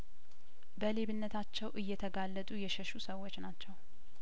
በሌብነታቸው እየተጋለጡ የሸሹ ሰዎች ናቸው